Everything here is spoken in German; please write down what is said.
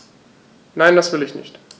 Nein, das will ich nicht.